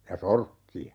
ja sorkkia